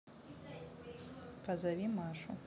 позови машу